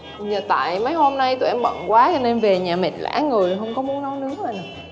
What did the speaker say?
dạ tại mấy hôm nay tụi em bận quá cho nên về nhà mệt lả người không có muốn nấu nướng luôn à